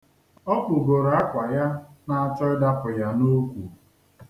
Ọ kpụgoro akwa ya na-achọ ịdapụ ya n'ukwu.